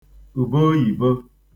ùbooyìbo